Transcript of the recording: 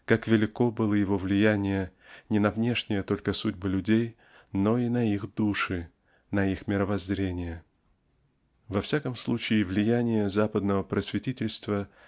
как велико было это влияние не на внешние только судьбы людей но и на их души на их мировоззрение. Во всяком случае влияние западного просветительства